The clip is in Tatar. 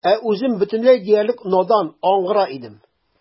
Ә үзем бөтенләй диярлек надан, аңгыра идем.